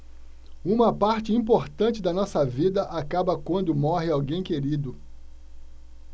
uma parte importante da nossa vida acaba quando morre alguém querido